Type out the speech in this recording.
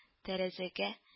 Тәрәзәгә